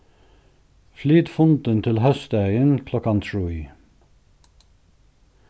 flyt fundin til hósdagin klokkan trý